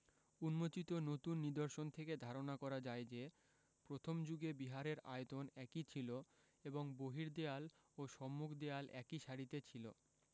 উন্মোচিত নতুন নিদর্শন থেকে ধারণা করা যায় যে প্রথম যুগে বিহারের আয়তন একই ছিল এবং বহির্দেয়াল ও সম্মুখ দেয়াল একই সারিতে ছিল